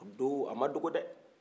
o don a ma dogo dɛ